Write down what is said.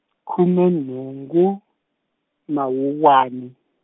khume nhungu Mawuwani.